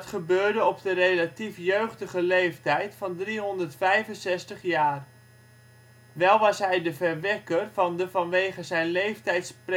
gebeurde op de relatief jeugdige leeftijd van 365 jaar. Wel was hij de verwekker van de vanwege zijn leeftijd